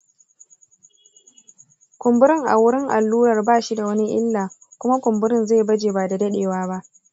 kumbirin a wurin allurar bashi da wani illa kuma kumburin zai baje ba da dadewa ba